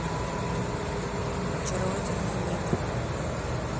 очаровательные нимфы